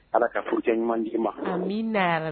Ala ka furujan ɲuman di ma